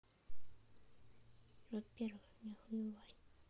во первых не охуевай